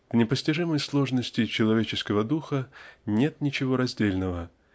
В непостижимой сложности человеческого духа нет ничего раздельного